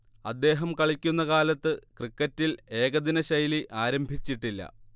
അദ്ദേഹം കളിക്കുന്ന കാലത്ത് ക്രിക്കറ്റിൽ ഏകദിനശൈലി ആരംഭിച്ചിട്ടില്ല